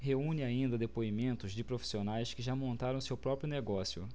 reúne ainda depoimentos de profissionais que já montaram seu próprio negócio